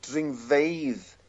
dringfeydd